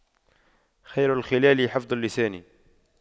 خير الخلال حفظ اللسان